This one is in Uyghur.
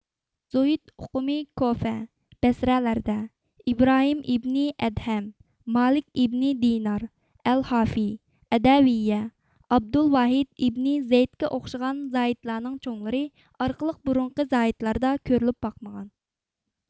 زۇھد ئوقۇمى كۇفە بەسرەلەردە ئىبراھىم ئىبنى ئەدھەم مالىك ئىبنى دىينار ئەلھافىي ئەدەۋىييە ئابدۇلۋاھىد ئىبنى زەيدكە ئوخشىغان زاھىدلارنىڭ چوڭلىرى ئارقىلىق بۇرۇنقى زاھىدلاردا كۆرۈلۈپ باقمىغان